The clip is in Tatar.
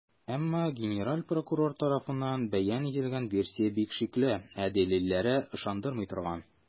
Әмма генераль прокурор тарафыннан бәян ителгән версия бик шикле, ә дәлилләре - ышандырмый торган.